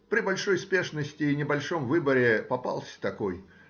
при большой спешности и небольшом выборе попался такой